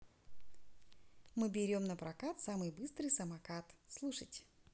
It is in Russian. мы берем напрокат самый быстрый самокат слушать